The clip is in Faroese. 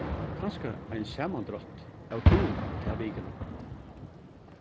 kanska ein samandrátt av tíðindunum ta vikuna